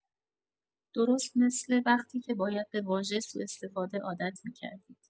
درست مثل وقتی که باید به واژه سوء‌استفاده عادت می‌کردید.